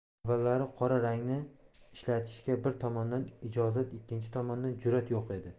avvallari qora rangni ishlatishga bir tomondan ijozat ikkinchi tomondan jur'at yo'q edi